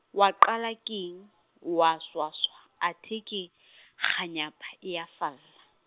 wa qala keng , o a swaswa, athe ke , kganyapa e a falla.